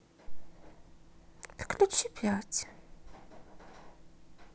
включи пять